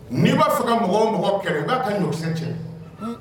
N'i b'a fɔ ka mɔgɔw mɔgɔ kɛ i b'a ka ɲɔsen cɛ